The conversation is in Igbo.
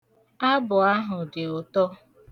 Abụ ahụ dị ụtọ.